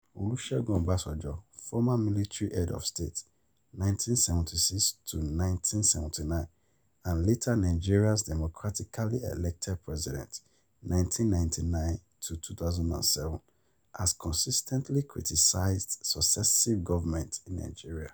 Olusegun Obasanjo, former military head of state (1976-1979) and later Nigeria’s democratically elected president (1999-2007), has consistently criticized successive governments in Nigeria.